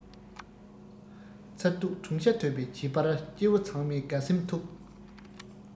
མཚར སྡུག གྲུང ཤ དོད པའི བྱིས པར སྐྱེ བོ ཚང མའི དགའ སེམས ཐོབ